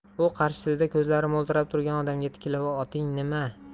u qarshisida ko'zlari mo'ltirab turgan odamga tikilib oting nimai